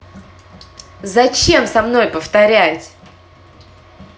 зачем со мной повторять